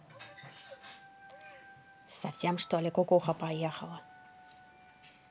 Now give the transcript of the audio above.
совсем что ли кукуха поехала